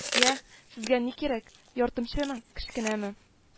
Я, сезгә ни кирәк, яртынчымы, кечкенәме